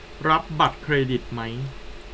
รับบัตรเครดิตไหม